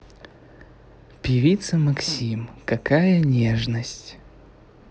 певица максим какая нежность